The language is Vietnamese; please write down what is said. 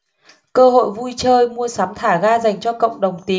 cơ hội vui chơi mua sắm thả ga dành cho cộng đồng tím